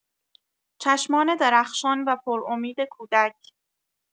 چشمان درخشان و پر امید کودک